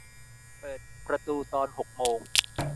เปิดประตูตอนหกโมง